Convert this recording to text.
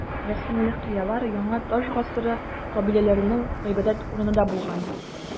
Рәсемле кыялар яңа таш гасыры кабиләләренең гыйбадәт урыны да булган.